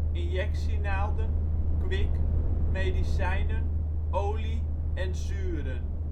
Injectienaalden Kwik Medicijnen Olie Zuren